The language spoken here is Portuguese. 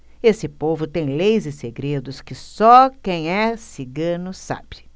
esse povo tem leis e segredos que só quem é cigano sabe